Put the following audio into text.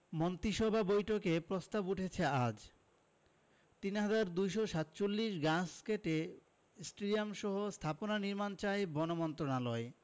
মন্ত্রিসভা বৈঠকে প্রস্তাব উঠছে আজ ৩২৪৭ গাছ কেটে স্টেডিয়ামসহ স্থাপনা নির্মাণ চায় বন মন্ত্রণালয় মিনি স্টেডিয়াম নির্মাণ করতে সংরক্ষিত বনাঞ্চলের গাছ কাটার অনুমতি চায় পরিবেশ ও বন মন্ত্রণালয়